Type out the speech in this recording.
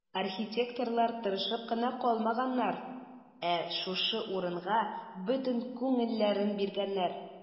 Архитекторлар тырышып кына калмаганнар, ә шушы урынга бөтен күңелләрен биргәннәр.